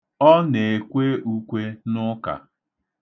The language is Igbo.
Ọ na-ekwe ukwe n'ụka.